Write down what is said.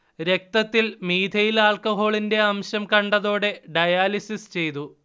രക്തത്തിൽ മീഥൈൽ ആൽക്കഹോളിന്റെ അംശം കണ്ടതോടെ ഡയാലിസിസ് ചെയ്തു